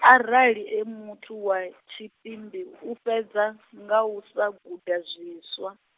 arali e muthu wa, tshipimbi u fhedza, nga u sa guda zwiswa.